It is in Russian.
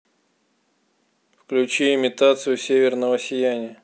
включи имитацию северного сияния